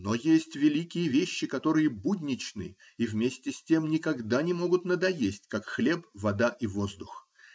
Но есть великие вещи, которые будничны и вместе с тем никогда не могут надоесть, как хлеб, вода и воздух.